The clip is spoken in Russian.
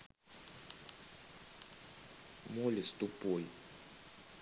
mollis тупой